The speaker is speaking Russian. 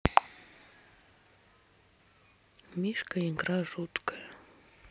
мишка игра жуткая